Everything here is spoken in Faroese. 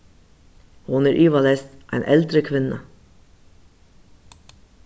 hon er ivaleyst ein eldri kvinna